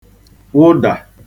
wụdà